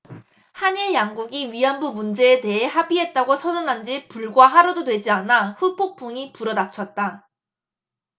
한일 양국이 위안부 문제에 대해 합의했다고 선언한 지 불과 하루도 되지 않아 후폭풍이 불어 닥쳤다